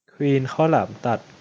ควีนข้าวหลามตัด